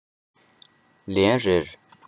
ལན རེར